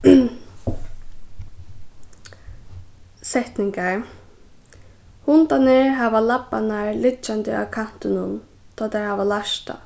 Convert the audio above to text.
setningar hundarnir hava labbarnar liggjandi á kantinum tá teir hava lært tað